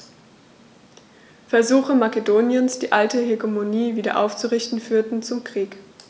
Versuche Makedoniens, die alte Hegemonie wieder aufzurichten, führten zum Krieg.